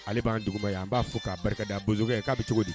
Ale b'an duguba ye an b'a fɔ k'a barika a bo k'a bɛ cogo di